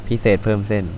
พิเศษเพิ่มเส้น